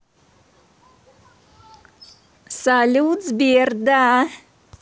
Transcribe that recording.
салют сбер да